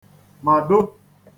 màdo